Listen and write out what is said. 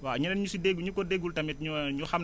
waa ñeneen ñu si dégg ñu ko déggul tamit ñu xam